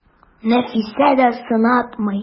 Нәфисә дә сынатмый.